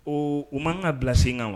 Ɔ u man kan ka bila sen kan wa